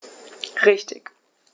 Richtig